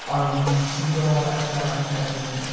Ond sy'n dod ella yn...